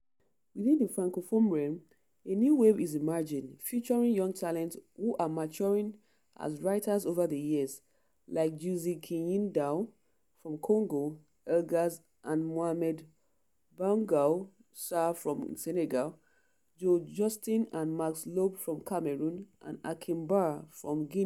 Within the Francophone realm, a new wave is emerging, featuring young talents who are maturing as writers over the years, like Jussy Kiyindou from Congo, Elgas and Mohamed Mbougar Sarr from Senegal, Jo Güstin and Max Lobé from Cameroon, and Hakim Bah from Guinea.